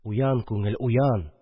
Уян, күңел, уян